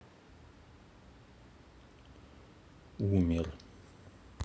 умер